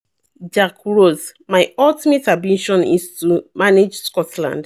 Jack Ross: 'My ultimate ambition is to manage Scotland'